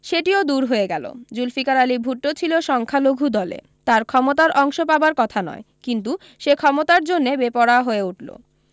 সেটিও দূর হয়ে গেল জুলফিকার আলী ভুট্টো ছিল সংখ্যালঘু দলে তার ক্ষমতার অংশ পাবার কথা নয় কিন্তু সে ক্ষমতার জন্যে বেপরোয়া হয়ে উঠল